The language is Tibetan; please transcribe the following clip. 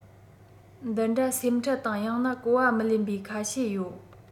འདི འདྲ སེམས ཁྲལ དང ཡང ན གོ བ མི ལེན པའི ཁ ཤས ཡོད